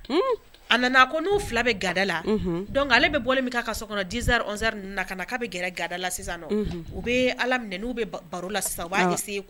A nana n' ga la ale bɛ bɔ so kɔnɔzzri na' bɛ gɛrɛ gadala sisan u bɛ ala n' bɛ baro la sisan'